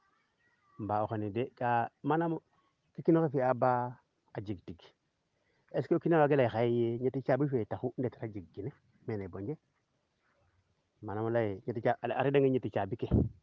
mbaa o xene de ka manaam ke kiinoxe fiya baa a jeg tig est ce que o kiina wa ley xaye ye ñeti caabo fe taxu ndetar a jeg kene mene Mbondie manam o leye a rend ange ñeti caabi ke